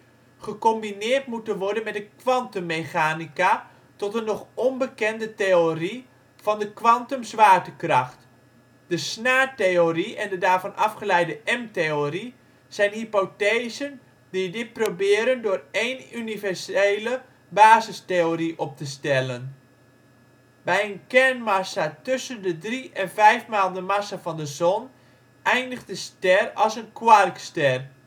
gecombineerd moeten worden met de kwantummechanica tot een nog onbekende theorie van de kwantumzwaartekracht. De snaartheorie en de daarvan afgeleide M-theorie zijn hypothesen die dit proberen door één universele basistheorie op te stellen. Bij een kernmassa tussen de 3 en 5 maal de massa van de zon eindigt de ster als een quarkster